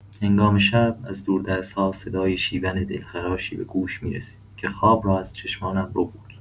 هنگام شب، از دوردست‌ها صدای شیون دلخراشی به گوش می‌رسید که خواب را از چشمانم ربود.